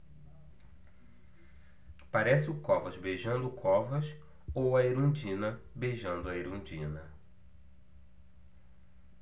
parece o covas beijando o covas ou a erundina beijando a erundina